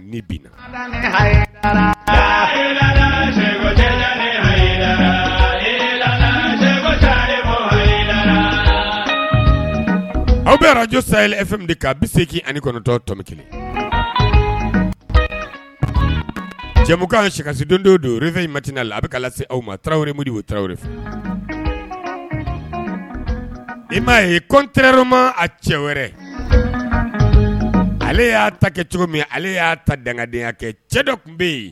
Aw bɛ araj sayi eme' bɛ segin ani kɔnɔntɔn tobi kelen jamu ye sikasidondo don fɛ in mati la a bɛ se aw ma taraweleri o tarawele fɛ ni ma ye ko terirma a cɛ wɛrɛ ale y'a ta kɛ cogo min ale y'a ta dangadenyaya kɛ cɛ dɔ tun bɛ yen